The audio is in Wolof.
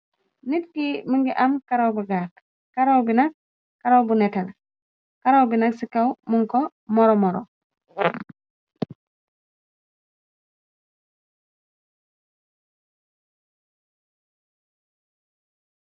Niit ki mëngi am karaw bu gatt, karaw bi nak, karaw bu nette la, karaw bi nak ci kaw mun ko moro moro.